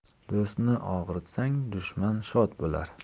do'stni og'ritsang dushman shod bo'lar